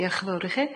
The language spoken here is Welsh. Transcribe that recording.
Diolch yn fowr i chi.